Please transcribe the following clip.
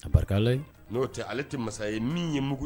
A barika allah ye n'o tɛ ale tɛ masa ye min ye mugu